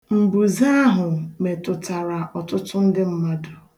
Mbụze ahụ metụtara ọtụtụ ndị mmadụ.